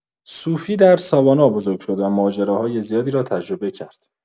سوفی در ساوانا بزرگ شد و ماجراهای زیادی را تجربه کرد.